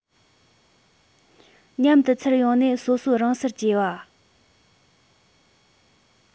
མཉམ དུ ཚུར ཡོང ནས སོ སོའི རང སར གྱེས པ